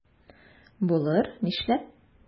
Булыр, нишләп?